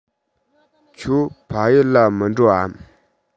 ཁྱོད ཕ ཡུལ ལ མི འགྲོ འམ